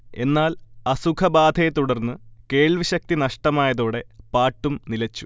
എന്നാൽ അസുഖബാധയെ തുടർന്ന് കേൾവിശക്തി നഷ്ടമായതോടെ പാട്ടും നിലച്ചു